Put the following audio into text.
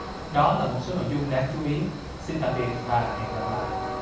đó là một số nội dung đáng chú ý xin tạm biệt và hẹn gặp lại